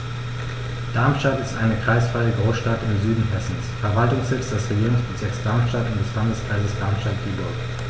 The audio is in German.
Darmstadt ist eine kreisfreie Großstadt im Süden Hessens, Verwaltungssitz des Regierungsbezirks Darmstadt und des Landkreises Darmstadt-Dieburg.